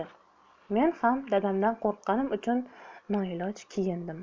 men dadamdan qo'rqqanim uchun noiloj kiyindim